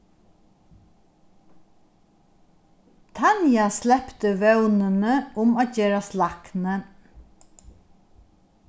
tanja slepti vónini um at gerast lækni